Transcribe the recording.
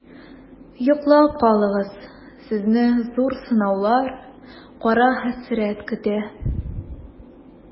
Йоклап калыгыз, сезне зур сынаулар, кара хәсрәт көтә.